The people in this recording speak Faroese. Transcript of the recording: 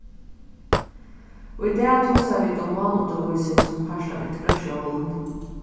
í dag tosa vit um málundirvísing sum part av integratión